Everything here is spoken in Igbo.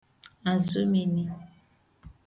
àzụmini